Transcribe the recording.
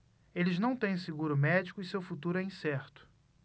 eles não têm seguro médico e seu futuro é incerto